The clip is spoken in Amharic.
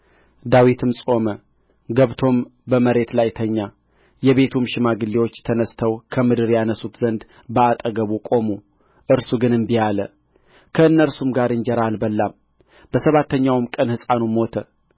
ዳዊትም ጾመ ገብቶም በመሬት ላይ ተኛ የቤቱም ሽማግሌዎች ተነሥተው ከምድር ያነሡት ዘንድ በአጠገቡ ቆሙ እርሱ ግን እንቢ አለ ከእነርሱም ጋር እንጀራ አልበላም በሰባተኛውም ቀን ሕፃኑ ሞተ